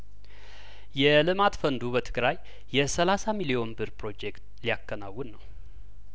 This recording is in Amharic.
የልማት ፈንዱ በትግራይ የሰላሳ ሚሊዮን ብር ፕሮጄክት ሊያከናውን ነው